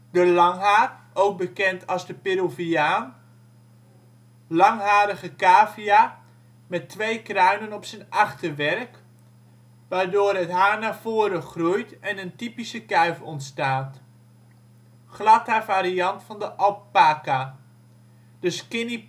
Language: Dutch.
De langhaar: ook bekend als de Peruviaan. Langharige cavia met twee kruinen op zijn achterwerk, waardoor het haar naar voren groeit en een typische kuif ontstaat. Gladhaar variant van de alpaca. De ' skinny pig